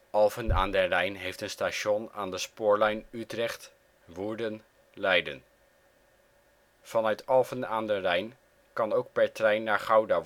Alphen aan den Rijn heeft een station aan de spoorlijn Utrecht - Woerden - Leiden. Vanuit Alphen aan de Rijn kan ook per trein naar Gouda